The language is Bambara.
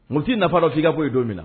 Mu nafa dɔ'ka foyi ye don min na